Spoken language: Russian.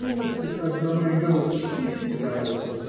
Будьте так добры, голубчик, идите домой.